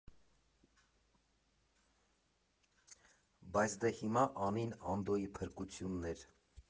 Բայց դե հիմա Անին Անդոյի փրկությունն էր։